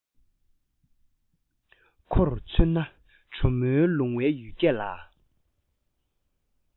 ཁོར མཚོན ན གྲོ མོའི ལུང བའི ཡུལ སྐད ལ